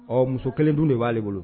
Ɔ muso kelen dun de b'aale bolo